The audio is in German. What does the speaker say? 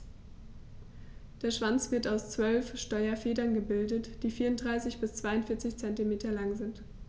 Der Schwanz wird aus 12 Steuerfedern gebildet, die 34 bis 42 cm lang sind.